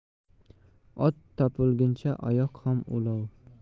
ot topilguncha oyoq ham ulov